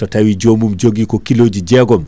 so tawi jomum joogui ko kiloji jeegom